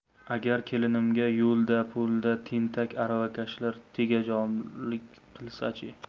agar kelinimga yo'lda po'lda tentak aravakashlar tegajog'lik qilsachi